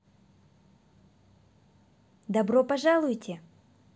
добро пожалуйте